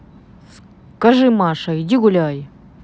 скажи маша иди гуляй